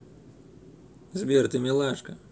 сбер ты милашка